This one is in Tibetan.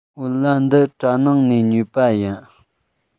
བོད ལྭ འདི གྲ ནང ནས ཉོས པ ཡིན